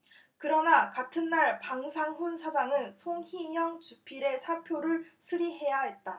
그러나 같은 날 방상훈 사장은 송희영 주필의 사표를 수리해야 했다